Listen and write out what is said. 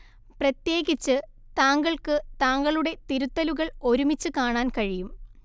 പ്രത്യേകിച്ച് താങ്കൾക്ക് താങ്കളുടെ തിരുത്തലുകൾ ഒരുമിച്ച് കാണാൻ കഴിയും